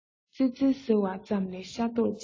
ཙེར ཙེར ཟེར བ ཙམ ལས ཤ རྡོག གཅིག